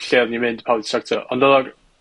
lle oddan i'n mynd, pawb sorto. Ond o'r